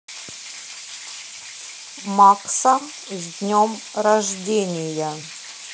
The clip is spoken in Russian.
макса с днем рождения